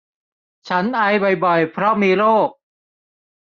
ฉันไอบ่อยบ่อยเพราะมีโรค